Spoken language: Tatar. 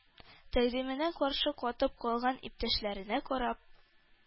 Тәкъдименә каршы катып калган иптәшләренә карап: